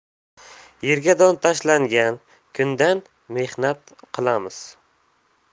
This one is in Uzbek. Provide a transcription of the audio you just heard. yerga don tashlangan kundan mehnat qilamiz